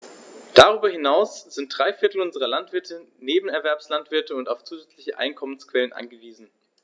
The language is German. Darüber hinaus sind drei Viertel unserer Landwirte Nebenerwerbslandwirte und auf zusätzliche Einkommensquellen angewiesen.